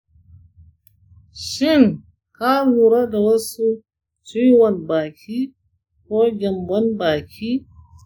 shin ka lura da wasu ciwon baki ko gyambon baki?